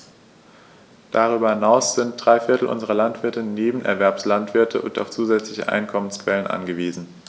Darüber hinaus sind drei Viertel unserer Landwirte Nebenerwerbslandwirte und auf zusätzliche Einkommensquellen angewiesen.